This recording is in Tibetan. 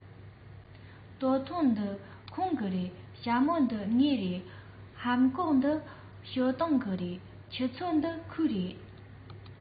སྟོད ཐུང འདི ཁོང གི རེད ཞྭ མོ འདི ངའི རེད ལྷམ གོག འདི ཞའོ ཏིང གི རེད ཆུ ཚོད འདི ཁོའི རེད